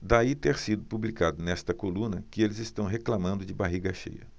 daí ter sido publicado nesta coluna que eles reclamando de barriga cheia